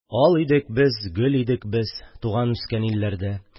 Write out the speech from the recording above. Ал идек без, гөл идек без Туган-үскән илләрдә;